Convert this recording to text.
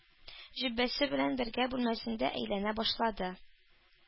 Җөббәсе белән бергә бүлмәсендә әйләнә башлады.